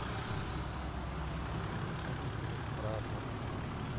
мультфильм храброе